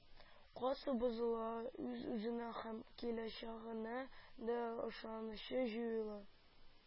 Касы бозыла, үз-үзенә һәм киләчәгенә дә ышанычы җуела